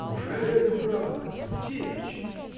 — Ужели это правда: в девичьей!